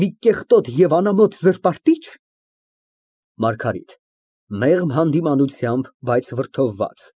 Մի կեղտոտ և անամոթ զրպարտի՞չ։ ՄԱՐԳԱՐԻՏ ֊ (Մեղմ հանդիմանությամբ, բայց վրդովված)